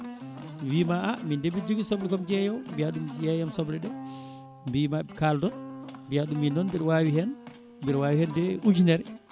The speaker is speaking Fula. wiima a min de mbiɗa jogui soble komi jeeyowo mbiya ɗum yeeyam sobleɗe mbima kaldon mbiya ɗum min noon mbiɗa wawi hen mbiɗa wawi hedde ujunere